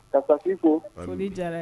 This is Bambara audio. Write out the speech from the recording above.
Ka Pasi fo foli diyara n ye.